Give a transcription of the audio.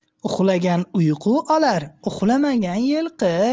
uxlagan uyqu olar uxlamagan yilqi